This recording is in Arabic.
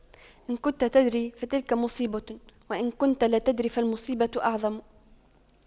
إذا كنت تدري فتلك مصيبة وإن كنت لا تدري فالمصيبة أعظم